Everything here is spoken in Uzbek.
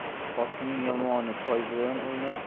otning yomoni toy bilan o'ynar